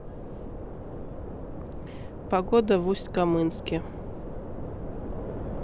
погода в усть камынске